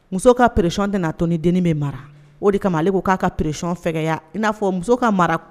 Muso ka precɔn tɛna natɔnin den bɛ mara o de kama ale ko k'a ka pererecɔn fɛya i n'a fɔ muso ka mara